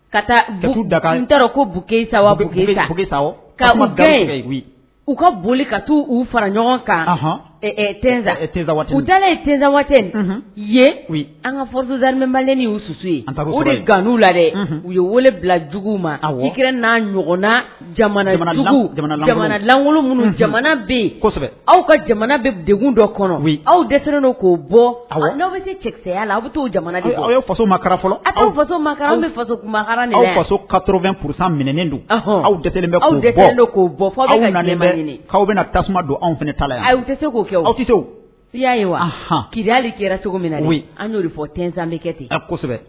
Ka taa n taara ko sa sa u ka boli ka taa uu fara ɲɔgɔn kan dalen tsan u an kazsansu ye de g la u ye wolo bila jugu ma n'a ɲɔgɔnna jamanalan minnu jamana bɛ yen aw ka jamana bɛkun dɔ kɔnɔ aw de k'o bɔ bɛ se cɛya la aw bɛ taa jamana aw fɔlɔ bɛ fasoto psaen don aw'o bɔ fɔ aw bɛna tasuma don anw fana ta la aw tɛ se k'o kɛ aw tɛ y'a ye ki cogo min an'o fɔzsankɛ ten